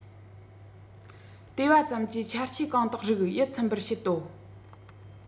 བལྟས པ ཙམ གྱིས ཆ རྐྱེན གང དག རིགས ཡིད ཚིམ པར བྱེད དོ